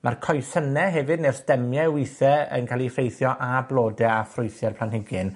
Ma'r coesynne hefyd, ne'r stemie withe yn ca'l 'u effeithio, a blode a ffrwythie'r planhigyn.